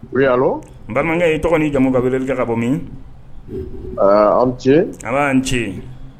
Oui alo? n balimankɛ i tɔgɔ ni jamu ka weleli kɛ ka bɔ min ? Ɛɛ aw ni ce an ba ni ce